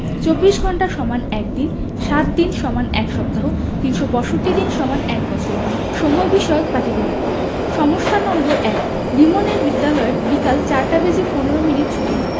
২৪ ঘন্টা = ১ দিন ৭ দিন = ১ সপ্তাহ ৩৬৫ দিন = ১বছর সময় বিষয়ক পাটিগনিত সমস্যা নম্বর ১ রিমনের বিদ্যালয় বিকাল ৪ টা বেজে ১৫ মিনিট ছুটি হয়